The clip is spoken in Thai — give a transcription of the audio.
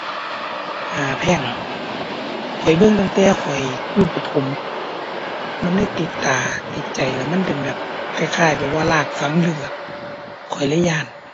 ห้าแพร่ง ข้อยเบิ่งตั้งแต่ข้อยอยู่ประถม มันเลยติดตาติดใจ แล้วมันเป็นแบบ คล้ายคล้ายแบบว่ารากฝังลึกอะ ข้อยเลยย้าน